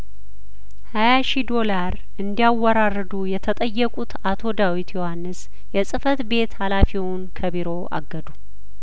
ሀያሺ ዶላር እንዲያወራርዱ የተጠየቁት አቶ ዳዊት ዮሀንስ የጽፈት ቤት ሀላፊውን ከቢሮ አገዱ